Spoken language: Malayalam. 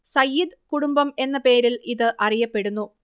സയ്യിദ് കുടുംബം എന്ന പേരിൽ ഇത് അറിയപ്പെടുന്നു